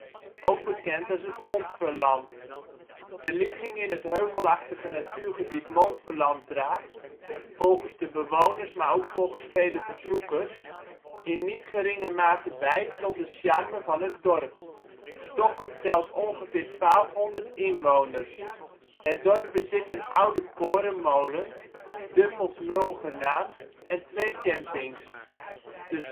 ook bekend als het Montferland. De ligging in het heuvelachtige natuurgebied Montferland draagt, volgens de bewoners maar ook volgens vele bezoekers, in niet geringe mate bij tot de charme van het dorp. Stokkum telt ongeveer twaalfhonderd inwoners. Het dorp bezit een oude korenmolen, Düffels Möl genaamd, en twee campings. De ' zandbulten